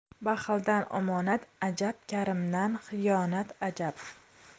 baxildan omonat ajab karimdan xiyonat ajab